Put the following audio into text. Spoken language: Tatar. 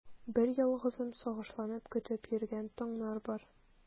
Берьялгызым сагышланып көтеп йөргән таңнар бар.